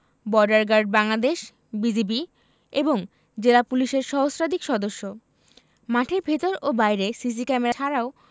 border guard Bangladesh BGB এবং জেলা পুলিশের সহস্রাধিক সদস্য মাঠের ভেতর ও বাইরে সিসি ক্যামেরা ছাড়াও